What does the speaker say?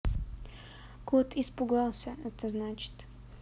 кот испугался это значит